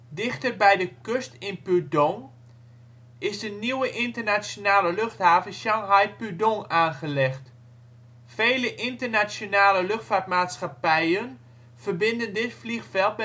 Dichter bij de kust in Pudong is de nieuwe internationale luchthaven Shanghai Pudong aangelegd. Vele internationale luchtvaartmaatschappijnen verbinden dit vliegveld